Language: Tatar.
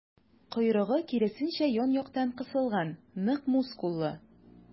Койрыгы, киресенчә, ян-яктан кысылган, нык мускуллы.